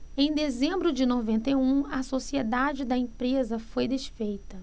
em dezembro de noventa e um a sociedade da empresa foi desfeita